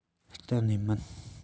གཏན ནས མིན